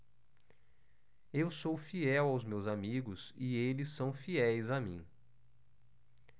eu sou fiel aos meus amigos e eles são fiéis a mim